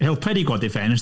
Helpa i di godi ffens.